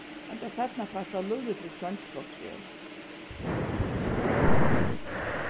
henda seinnapart var lívligt við trongisvágsfjørð